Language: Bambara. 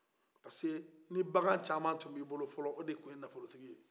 piseke ni bakan cama tun bɛ i bolo fɔlo o ye de tun ye nafɔlotigi